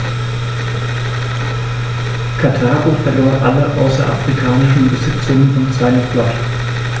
Karthago verlor alle außerafrikanischen Besitzungen und seine Flotte.